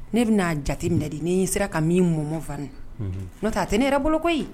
Ne bɛna'a jate minɛ de ne n sera ka min mɔn mɔnfa n'o ta tɛ ne yɛrɛ boloko koyi